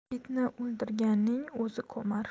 itni o'ldirganning o'zi ko'mar